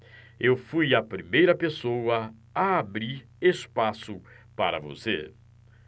eu fui a primeira pessoa a abrir espaço para você